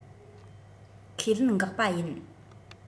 ཁས ལེན འགག པ ཡིན